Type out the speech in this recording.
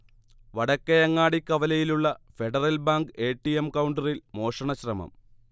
വടക്കേ അങ്ങാടി കവലയിലുള്ള Federal Bank A. T. M കൗണ്ടറിൽ മോഷണശ്രമം